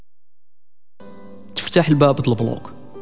افتح الباب لقلبك